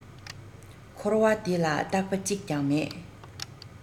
འཁོར བ འདི ལ རྟག པ གཅིག ཀྱང མེད